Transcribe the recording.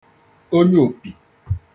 onyeòpì